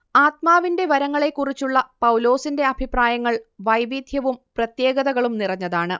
ആത്മാവിന്റെ വരങ്ങളെക്കുറിച്ചുള്ള പൗലോസിന്റെ അഭിപ്രായങ്ങൾ വൈവിദ്ധ്യവും പ്രത്യേകതകളും നിറഞ്ഞതാണ്